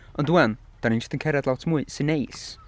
Ond 'ŵan, dan ni jyst yn cerdded lot mwy, sy'n neis.